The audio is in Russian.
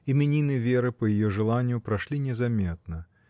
Именины Веры, по ее желанию, прошли незаметно.